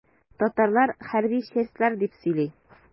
Татарлар хәрби чәстләр дип сөйли.